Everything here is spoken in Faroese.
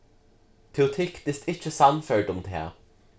tú tyktist ikki sannførd um tað